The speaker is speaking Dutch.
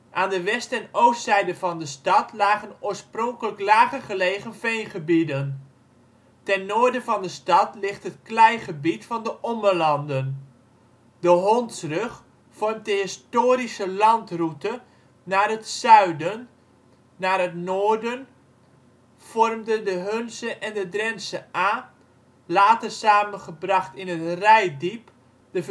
Aan de west - en oostzijde van de stad lagen oorspronkelijk lager gelegen veengebieden. Ten noorden van de stad ligt het kleigebied van de Ommelanden. De Hondsrug vormt de historische landroute naar het zuiden, naar het noorden vormden de Hunze en de Drentsche Aa, later samengebracht in het Reitdiep, de